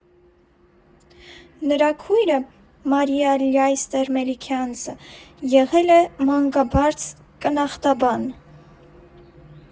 Նրա քույրը՝ Մարիա Լյայստեր֊Մելիքյանցը, եղել է մանկաբարձ֊կնախտաբան։